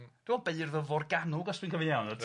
dwi'n meddwl beirdd o Forgannwg os dwi'n cofio iawn